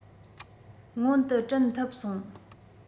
མངོན དུ བྲིན ཐུབ སོང